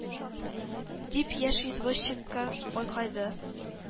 - дип, яшь извозчикка акайды.